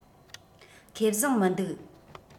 ཁེ བཟང མི འདུག